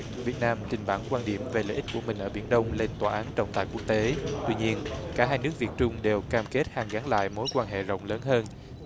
việt nam trình bảng quan điểm về lợi ích của mình ở biển đông lên tòa án trọng tài quốc tế tuy nhiên cả hai nước việt trung đều cam kết hàn gắn lại mối quan hệ rộng lớn hơn